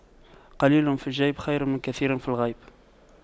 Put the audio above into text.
قليل في الجيب خير من كثير في الغيب